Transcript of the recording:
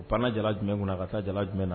Panna jala jumɛn kunna ka taa jala jumɛn na